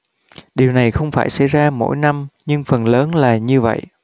điều này không phải xảy ra mỗi năm nhưng phần lớn là như vậy